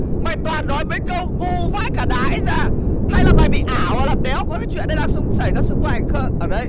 mày toàn nói mấy câu ngu vãi cả đái ra hay là mày bị ảo à làm đéo có chuyện đó xảy ra xung quanh ở đấy